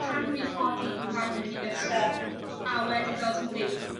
pan dw i'n codi i pan dwi'n mynd i gysgu. Ie. Aa wedyn fel ti'n deud